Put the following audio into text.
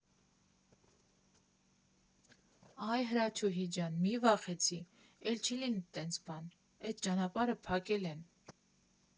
«Այ Հրաչուհի ջան, մի վախեցի, էլ չի լինի տենց բան, էդ ճանապարհը փակել են»։